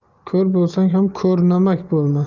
ko'r bo'lsang ham ko'mamak bo'lma